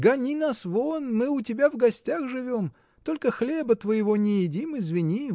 Гони нас вон: мы у тебя в гостях живем — только хлеба твоего не едим, извини.